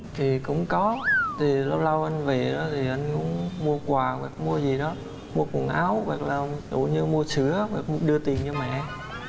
thì cũng có thì lâu lâu anh về đó anh cũng mua quà hoặc mua gì đó mua quần áo hoặc là ví dụ mua sữa hoặc đưa tiền cho mẹ